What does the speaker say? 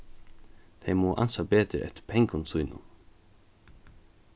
tey mugu ansa betur eftir pengum sínum